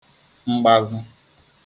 mgbazụ